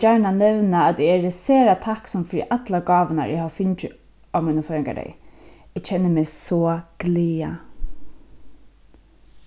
gjarna nevna at eg eri sera takksom fyri allar gávurnar eg havi fingið á mínum føðingardegi eg kenni meg so glaða